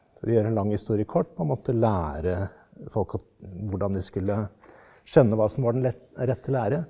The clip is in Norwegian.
for å gjøre en lang historie kort man måtte lære folk hvordan de skulle skjønne hva som var den rette lære.